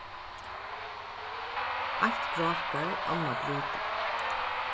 eitt brákar annað brýtur